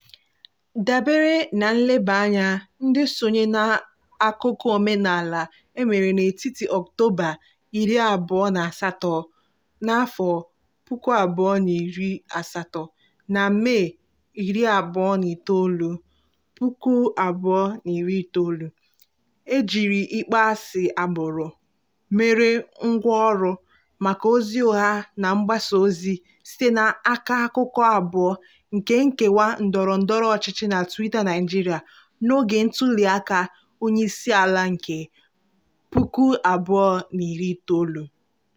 Dabere na nleba anya ndị sonye n'akụkụ omenala e mere n'etiti Ọktoba 28, 2018, na Mee 29, 2019, e jiri ịkpọasị agbụrụ mere ngwaọrụ maka ozi ụgha na mgbasa ozi site n'aka akụkụ abụọ nke nkewa ndọrọ ndọrọ ọchịchị na Twitter Naịjirịa n'oge ntụliaka onyeisiala nke 2019.